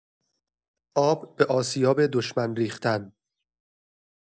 آب به آسیاب دشمن ریختن